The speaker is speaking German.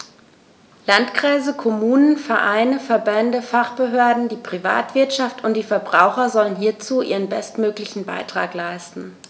Landkreise, Kommunen, Vereine, Verbände, Fachbehörden, die Privatwirtschaft und die Verbraucher sollen hierzu ihren bestmöglichen Beitrag leisten.